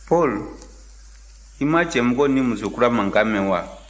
paul i ma cɛmɔgɔ ni musokura mankan mɛn wa